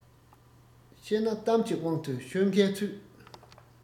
བཤད ན གཏམ གྱི དབང དུ ཤོད མཁན ཚུད